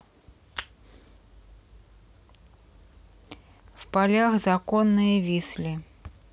в полях законные висли